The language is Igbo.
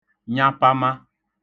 nyapama